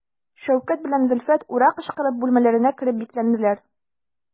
Шәүкәт белән Зөлфәт «ура» кычкырып бүлмәләренә кереп бикләнделәр.